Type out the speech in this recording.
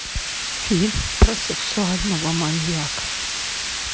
фильм про сексуального маньяка